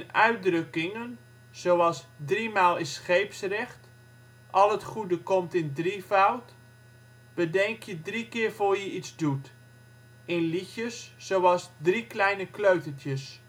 uitdrukkingen, zoals " Driemaal is scheepsrecht "" Al het goede komt in drievoud "" Bedenk je drie keer voor je iets doet " In liedjes, zoals " Drie kleine kleutertjes